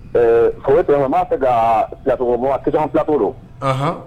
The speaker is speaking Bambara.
K'o bɛ bɛn wa , n b'a fɛ ka plateau, question de plqteau don , ɔnhɔn.